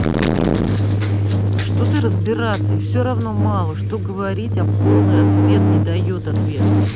а что ты разбираться и все равно мало что говорить о полный ответ не даете ответ